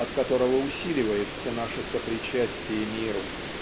от которого усиливается наше сопричастие миру.